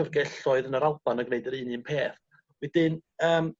llyfrgelloedd yn yr Alban yn gneud yr un un peth wedyn yym